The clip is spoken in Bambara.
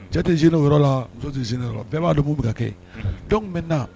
Cɛ tɛ z o yɔrɔ la muso z bɛɛ b'a don b bɛ ka kɛ dɔw bɛ na